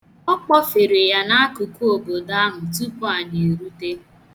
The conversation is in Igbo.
Ọ kpọfere ya n'akụkụ obodo ahụ tupu anyị erute.